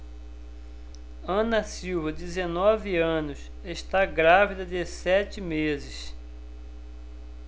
ana silva dezenove anos está grávida de sete meses